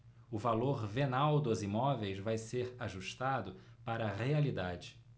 o valor venal dos imóveis vai ser ajustado para a realidade